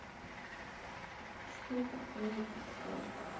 что такое кит кат